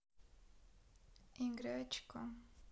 игра очко